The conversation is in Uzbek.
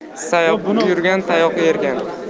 sayoq yurgan tayoq yer